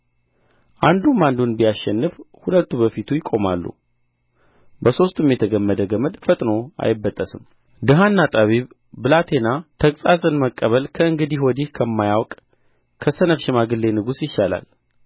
አንዱም አንዱን ቢያሸንፍ ሁለቱ በፊቱ ይቆማሉ በሦስትም የተገመደ ገመድ ፈጥኖ አይበጠስም ድሀና ጠቢብ ብላቴና ተግሣጽን መቀበል ከእንግዲህ ወዲህ ከማያውቅ ከሰነፍ ሽማግሌ ንጉሥ ይሻላል